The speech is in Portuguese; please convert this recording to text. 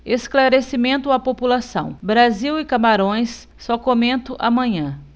esclarecimento à população brasil e camarões só comento amanhã